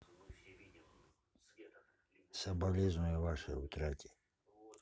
соболезную вашей утрате